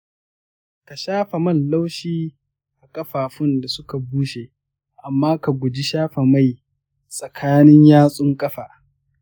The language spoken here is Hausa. ka shafa man laushi a ƙafafun da suka bushe amma ka guji shafa mai tsakanin yatsun ƙafa.